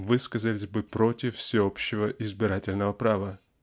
высказались бы против всеобщего избирательного права.